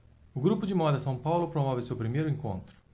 o grupo de moda são paulo promove o seu primeiro encontro